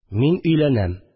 Мин өйләнәм